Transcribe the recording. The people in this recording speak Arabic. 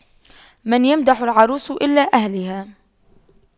من يمدح العروس إلا أهلها